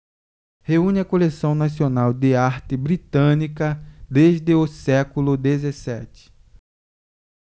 reúne a coleção nacional de arte britânica desde o século dezessete